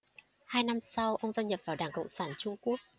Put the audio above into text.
hai năm sau ông gia nhập vào đảng cộng sản trung quốc